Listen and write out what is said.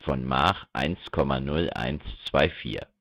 Mach 1,0124